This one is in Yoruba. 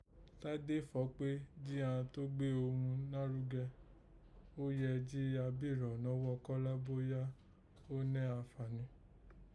Tádé fọ̀ kpé jí àán tó gbé òghun nárugẹ, ó yẹ jí an bíìrọ̀ nọghọ́ Kọ́lá bóyá ó nẹ́ àǹfàní